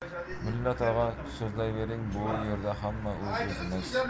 mulla tog'a so'zlayvering bu yerda hamma o'z o'zimiz